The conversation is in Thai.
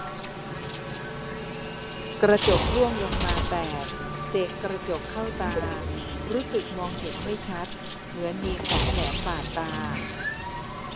กระจกร่วงลงมาแตกเศษกระจกเข้าตารู้สึกมองเห็นไม่ชัดเหมือนมีของแหลมบาดตา